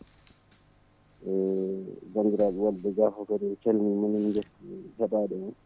bandiraɓe wonɓe gua foof kadi calminimon e heeɗade moon